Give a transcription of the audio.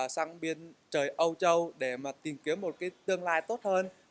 sang bên trời âu châu để mà tìm kiếm một cái tương lai tốt hơn